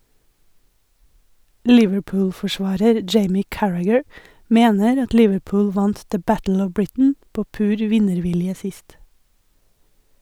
Liverpool-forsvarer Jamie Carragher mener at Liverpool vant «The Battle of Britain» på pur vinnervilje sist.